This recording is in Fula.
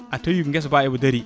a tawi guesa ba eba daari